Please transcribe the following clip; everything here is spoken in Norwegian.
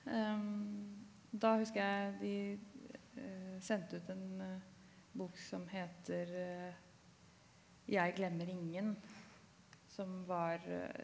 da husker jeg de sendte ut en bok som heter Jeg glemmer ingen som var .